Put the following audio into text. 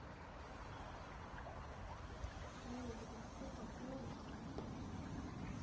вологда это город